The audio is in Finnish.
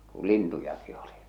kun lintujakin oli